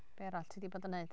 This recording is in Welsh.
Be arall ti 'di bod yn wneud?